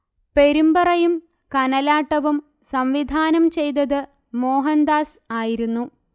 പെരുമ്പറയും കനലാട്ടവും സംവിധാനം ചെയ്തത് മോഹൻ ദാസ് ആയിരുന്നു